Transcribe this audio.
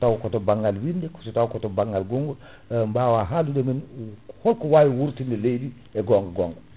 taw koto banggal winnde so taw koso banggal gongol bawa haalnude min holko wawi wurtinde leydi e gonga gonga